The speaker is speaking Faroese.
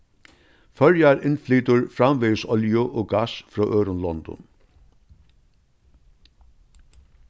føroyar innflytur framvegis olju og gass frá øðrum londum